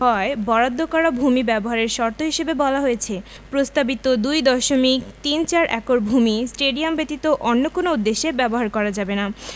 হওয়ায় বরাদ্দ করা ভূমি ব্যবহারের শর্ত হিসেবে বলা হয়েছে প্রস্তাবিত ২ দশমিক তিন চার একর ভূমি স্টেডিয়াম ব্যতীত অন্য কোনো উদ্দেশ্যে ব্যবহার করা যাবে না